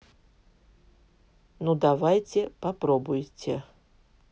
ну давайте попробуйте